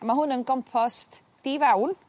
A ma' hwn yn gompost di-fawn